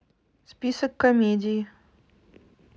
список комедий